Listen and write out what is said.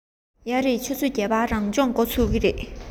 ཡོད རེད ཆུ ཚོད བརྒྱད པར རང སྦྱོང འགོ ཚུགས ཀྱི རེད